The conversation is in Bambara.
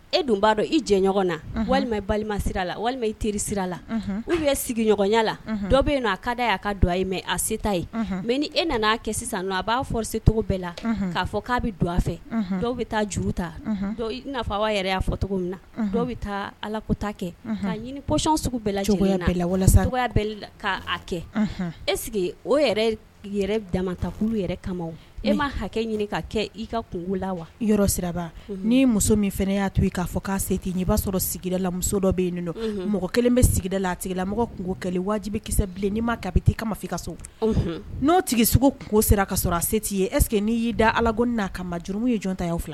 E dun b'a dɔn i jɛ ɲɔgɔn na walima balima sira la walima i teri sira a la u ye sigiɲɔgɔnya la dɔ bɛ yen a ka da y'a ka dugawu a ye mɛ a seta ye mɛ ni e nana'a kɛ sisan a b'a fɔ secogo bɛɛ la k'a fɔ k'a bɛ don a fɛ dɔw bɛ taa juru ta i'a fɔ' yɛrɛ' fɔ cogo min na dɔw bɛ taa alakota kɛ kayɔn bɛɛ la walasaya bɛ la k'a kɛ e sigi o yɛrɛ damatakulu yɛrɛ kama e ma hakɛ ɲini ka kɛ i ka kun la wa yɔrɔ siraba n' muso min fana y'a to k'a fɔ k'a' i b'a sɔrɔ sigi la muso dɔ bɛ yen mɔgɔ kelen bɛ sigida la a tigila mɔgɔ kelen wajibikisɛ bilen ni'i ma bɛ kama ma i ka so n'o tigi sugu kungo sera ka sɔrɔ a se'i ye eseke'i'i da ala ko n'a kama ma jurumu ye jɔn ta yan fila